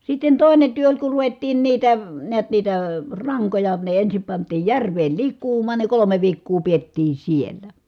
sitten toinen työ oli kun ruvettiin niitä näet niitä rankoja ne ensin pantiin järveen likoamaan ne kolme viikkoa pidettiin siellä